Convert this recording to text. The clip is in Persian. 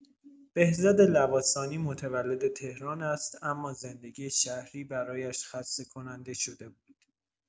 بهزاد لواسانی متولد تهران است اما زندگی شهری برایش خسته‌کننده شده بود.